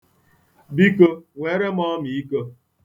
Biko, nweere m ọmiiko.